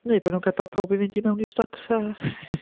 Neu bod nhw'n gadael pawb i fynd i mewn i stocs a...